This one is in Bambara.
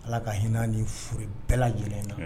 Ala ka hinɛ ni furu bɛɛla lajɛlen na